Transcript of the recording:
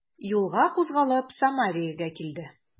Юлга кузгалып, Самареяга килде.